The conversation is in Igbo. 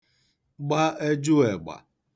gba ejụègbà